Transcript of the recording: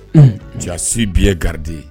Jaasi bi ye garidi ye